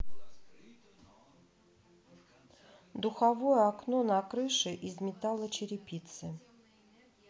духовое окно на крыше из металлочерепицы